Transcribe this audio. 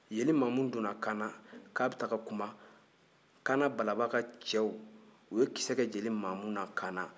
jeli mamu donna kaana k'a bi taga kuma kaana balaba ka cɛw u ye kisɛ kɛ jeli mamu na kaana